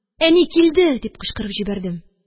Әни, килде! – дип кычкырып җибәрдем